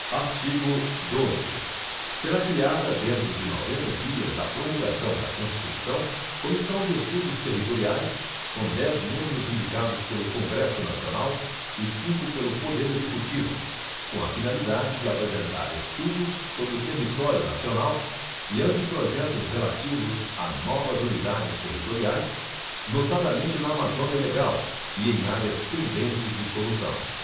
artigo doze será criada dentro de noventa dias da promulgação da constituição comissão de estudos territoriais com dez membros indicados pelo congresso nacional e cinco pelo poder executivo com a finalidade de apresentar estudos sobre o território nacional e anteprojetos relativos a novas unidades territoriais notadamente na amazônia legal e em áreas pendentes de solução